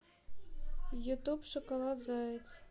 ютуб шоколад заяц